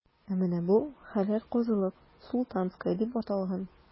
Ә менә бу – хәләл казылык,“Султанская” дип аталган.